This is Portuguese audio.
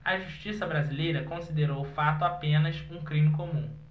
a justiça brasileira considerou o fato apenas um crime comum